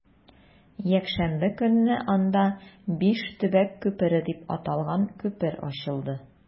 Якшәмбе көнне анда “Биш төбәк күпере” дип аталган күпер ачылды.